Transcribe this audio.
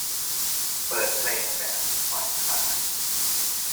เปิดเพลงแบบผ่อนคลาย